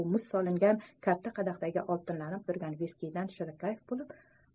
u muz solingan katta qadahdagi oltinlanib turgan viskidan shirakayf bo'lib